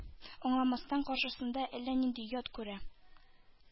Аңламастан, каршысында әллә нинди «ят» күрә.